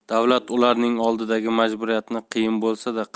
davlat ularning oldidagi majburiyatini qiyin bo'lsa